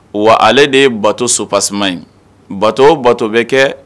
Wa ale de ye bato so pa tasumaman in bato bato bɛ kɛ